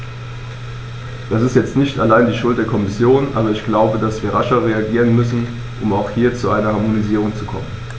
Das ist jetzt nicht allein die Schuld der Kommission, aber ich glaube, dass wir rascher reagieren müssen, um hier auch zu einer Harmonisierung zu kommen.